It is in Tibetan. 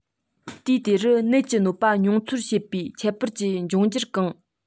དུས དེ རུ ནད ཀྱི གནོད པ མྱོང ཚོར བྱེད པའི ཁྱད པར གྱིས རྒྱུད འགྱུར གང